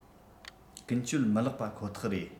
ཀུན སྤྱོད མི ལེགས པ ཁོ ཐག རེད